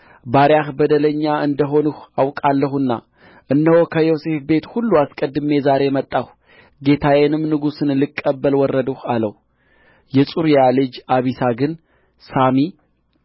ባሪያህ በደለኛ እንደ ሆንሁ አውቄአለሁና እነሆ ከዮሴፍ ቤት ሁሉ አስቀድሜ ዛሬ መጣሁ ጌታዬንም ንጉሡን ልቀበል ወረድሁ አለው የጽሩያ ልጅ አቢሳ ግን ሳሚ